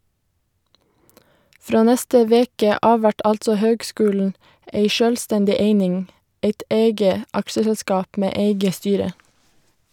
Frå neste veke av vert altså høgskulen ei sjølvstendig eining, eit eige aksjeselskap med eige styre.